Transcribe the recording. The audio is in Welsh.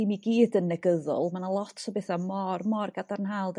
dim i gyd yn negyddol. Ma' 'na lot o betha' mor mor gadarnhaol